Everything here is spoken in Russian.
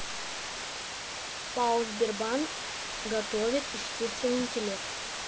пао сбербанк готовит искусственный интеллект